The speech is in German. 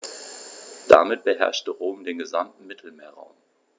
Damit beherrschte Rom den gesamten Mittelmeerraum.